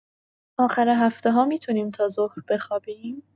آخر هفته‌ها می‌تونیم تا ظهر بخوابیم؟